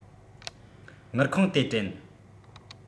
དངུལ ཁང དེ དྲན